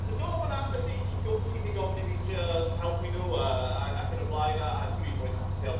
So do, ma' 'na ambell i i gwmni 'di gofyn i fi trio helpu nhw a a ac yn y blaen, a a dwi'n mwy na hapus i helpu.